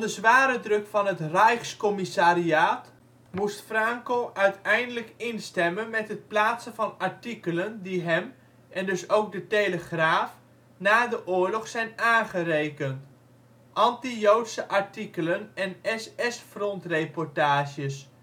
zware druk van het Reichskommissariat moest Fraenkel uiteindelijk instemmen met het plaatsen van artikelen die hem (en dus ook De Telegraaf) na de oorlog zijn aangerekend: anti-joodse artikelen en SS-frontreportages